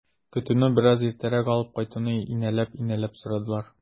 Көтүне бераз иртәрәк алып кайтуны инәлеп-инәлеп сорадылар.